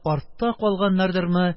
Артта калганнардырмы,